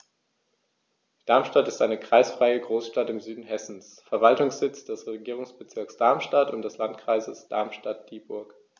Darmstadt ist eine kreisfreie Großstadt im Süden Hessens, Verwaltungssitz des Regierungsbezirks Darmstadt und des Landkreises Darmstadt-Dieburg.